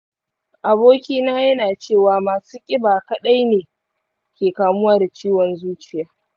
abokina yana cewa masu kiba kaɗai ne ke kamuwa da ciwon zuciya.